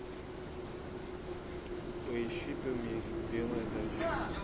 поищи до меги белая дача